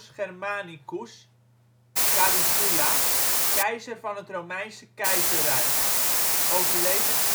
Germanicus (Caligula), keizer van het Romeinse Keizerrijk (overleden